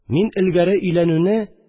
Мин элгәре өйләнүне